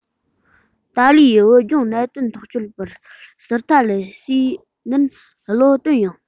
ཏཱ ལའི ཡིས བོད ལྗོངས གནད དོན ཐག གཅོད པར སི ཐ ལ སི བོའི འདུན བློ བཏོན ཡང